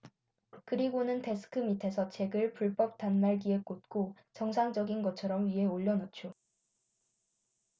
그리고는 데스크 밑에서 잭을 불법 단말기에 꽂고 정상적인 것처럼 위에 올려놓죠